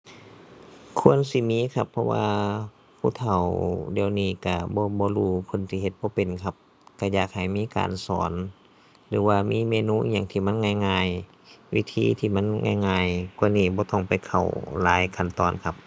ควรสิมีครับ เพราะว่าผู้เฒ่าเดี๋ยวนี้ก็ บ่ บ่รู้เพิ่นสิเฮ็ดบ่เป็นครับ ก็อยากให้มีการสอน หรือว่ามีเมนูอิหยังที่มันง่ายง่าย วิธีที่มันง่ายง่ายกว่านี้ บ่ต้องไปเข้าหลายขั้นตอนครับ